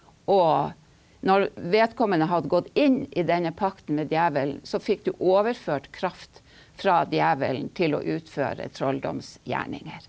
og når vedkommende hadde gått inn i denne pakten med djevelen, så fikk du overført kraft fra djevelen til å utføre trolldomsgjerninger.